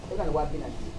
E ka ni 200000 di